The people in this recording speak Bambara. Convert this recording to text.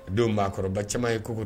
Don maa kɔrɔba caman ye ko kojugu